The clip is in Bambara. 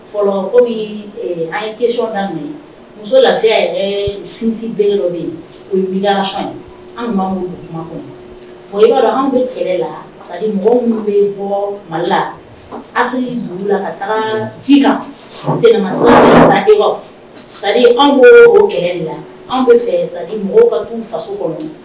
Fɔlɔ an ye kesɔn muso lase sinsin bɛɛ yɔrɔ bɛ yen o mi ye an kɔnɔ o yɔrɔ anw bɛ kɛlɛ la sa mɔgɔw bɛ bɔ ma la a dugu la ka taga ji kan an kɛlɛ la anw mɔgɔw ka faso kɔnɔ